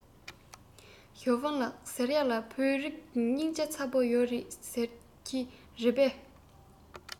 ཞའོ ཧྥུང ལགས ཟེར ཡས ལ བོད རིགས སྙིང རྗེ ཚ པོ ཡོད རེད ཟེར གྱིས རེད པས